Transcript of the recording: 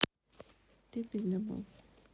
ты пиздабол